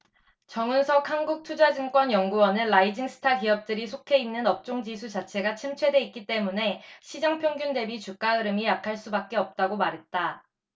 정훈석 한국투자증권 연구원은 라이징 스타 기업들이 속해 있는 업종지수 자체가 침체돼 있기 때문에 시장 평균 대비 주가 흐름이 약할 수밖에 없다고 말했다